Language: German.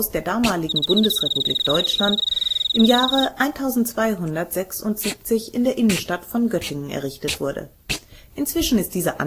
der damaligen Bundesrepublik Deutschland im Jahre 1276 in der Innenstadt von Göttingen (Rote Straße 25) errichtet wurde. Inzwischen ist dieser